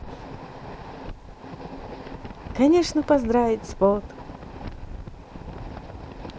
конечно поздравить спот